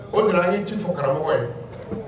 O an ye ci fo karamɔgɔ ye